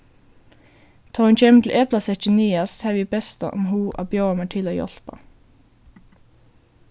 tá hon kemur til eplasekkin niðast havi eg bestan hug at bjóða mær til at hjálpa